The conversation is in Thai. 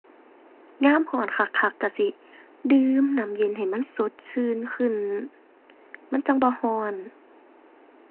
ยามร้อนคักคักร้อนสิ ดื่มน้ำเย็นให้มันสดชื่นขึ้น มันจั่งบ่ร้อน